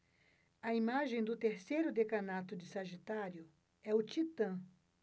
a imagem do terceiro decanato de sagitário é o titã